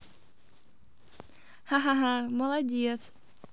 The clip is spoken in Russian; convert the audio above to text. ха ха ха молодец